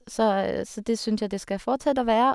så Så det syns jeg at det skal fortsette å være.